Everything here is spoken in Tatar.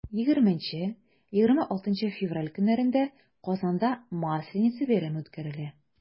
20-26 февраль көннәрендә казанда масленица бәйрәме үткәрелә.